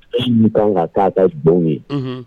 ni ka kan kɛ a ka jon ye? Unhun.